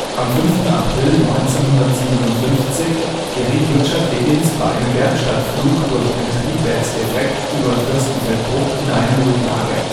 Am 5. April 1957 geriet Richard Higgins mit einer F-84F Thunderstreak der Luftwaffe mit dem Kennzeichen BA-102 bei einem Werkstattflug durch einen Triebwerksdefekt über Fürstenfeldbruck in eine Notlage